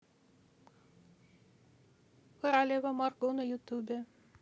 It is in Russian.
королева марго на ютубе